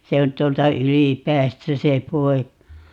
se on tuolta Ylipäästä se poika